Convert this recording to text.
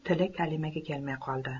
tili kalimaga kelmay qoldi